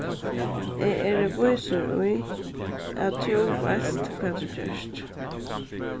eg eri vísur í at tú veitst hvat tú gert